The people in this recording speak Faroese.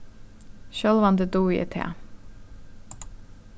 sjálvandi dugi eg tað